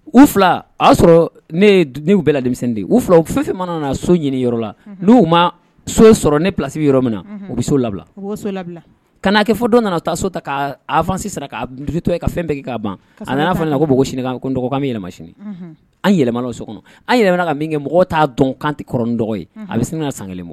U fila y' sɔrɔ ne bɛɛ denmisɛn u fila fɛnfɛ mana so ɲinin yɔrɔ la ma so sɔrɔ ne plasi yɔrɔ min na u bɛ so labila ka'a kɛ fɔ dɔw nana taa so ta k'fasi' to ye ka fɛn bɛɛ k'a ban a nana fana ko npogo sinika bɛ yɛlɛma sini an yɛlɛmana o so kɔnɔ an yɛlɛmana ka min kɛ mɔgɔ t'a dɔn kan tɛɔrɔn dɔgɔ ye a bɛ sini na san ma